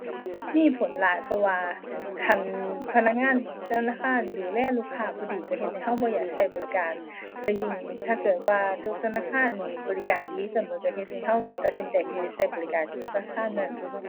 มีผลหลาย เพราะว่าคันพนักงานธนาคารดูแลลูกค้าบ่ดีก็เฮ็ดให้ก็บ่อยากก็บริการ แล้วยิ่งถ้าเกิดว่าทุกธนาคารนี่บริการดีคือกันเบิด ก็เฮ็ดให้ก็ตัดสินใจที่จะก็บริการกับธนาคารนั้น